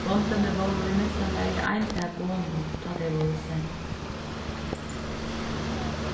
bondini vóru í minsta lagi ein dag gomul tá tey vórðu send